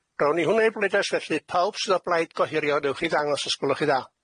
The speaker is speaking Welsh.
Rown ni hwn'ne i bleidlais felly. Pawb sydd o blaid gohirio, newch chi ddangos os gwelwch chi dda.